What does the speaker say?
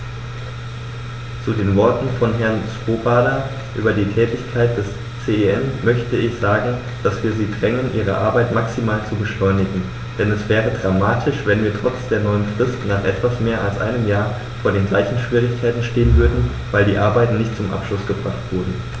Zu den Worten von Herrn Swoboda über die Tätigkeit des CEN möchte ich sagen, dass wir sie drängen, ihre Arbeit maximal zu beschleunigen, denn es wäre dramatisch, wenn wir trotz der neuen Frist nach etwas mehr als einem Jahr vor den gleichen Schwierigkeiten stehen würden, weil die Arbeiten nicht zum Abschluss gebracht wurden.